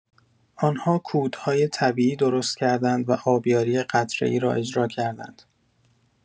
آن‌ها کودهای طبیعی درست کردند و آبیاری قطره‌ای را اجرا کردند.